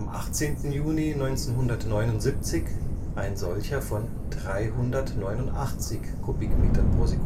18. Juni 1979 ein solcher von 389 m³/s. Der